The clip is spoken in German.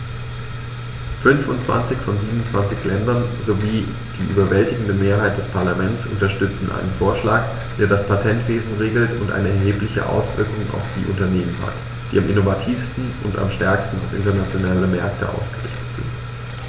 Fünfundzwanzig von 27 Ländern sowie die überwältigende Mehrheit des Parlaments unterstützen einen Vorschlag, der das Patentwesen regelt und eine erhebliche Auswirkung auf die Unternehmen hat, die am innovativsten und am stärksten auf internationale Märkte ausgerichtet sind.